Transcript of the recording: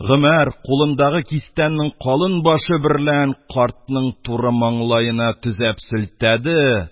Гомәр кулындагы кистәннең калын башы берлән картның туры маңлаена төзәп селтәде